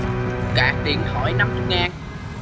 cạc điện thoại năm chục ngàn